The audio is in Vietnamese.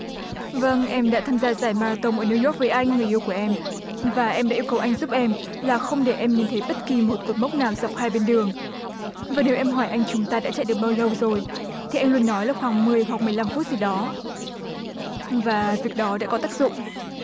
vâng em đã tham gia giải ma ra tông ở niu doóc với anh người yêu của em và em đã yêu cầu anh giúp em là không để em nhìn thấy bất kỳ một cột mốc nào dọc hai bên đường và điều em hỏi anh chúng ta đã chạy được bao lâu rồi thì em luôn nói là khoảng mười hoặc mười lăm phút gì đó và việc đó đã có tác dụng